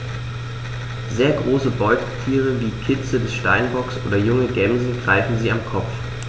Sehr große Beutetiere wie Kitze des Steinbocks oder junge Gämsen greifen sie am Kopf.